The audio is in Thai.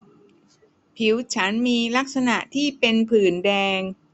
ผิวฉันมีลักษณะที่เป็นผื่นแดง